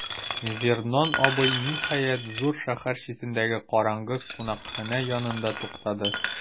Вернон абый, ниһаять, зур шәһәр читендәге караңгы кунакханә янында туктады.